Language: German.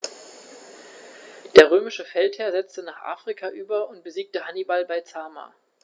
Der römische Feldherr setzte nach Afrika über und besiegte Hannibal bei Zama.